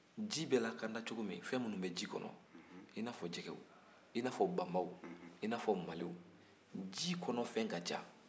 ji bɛ lankana cogo minna fɛn minnu bɛ ji kɔnɔ i n'a fɔ jɛgɛ i n'a fɔ banbaw i n'a fɔ maliw ji kɔnɔfɛnw ka ca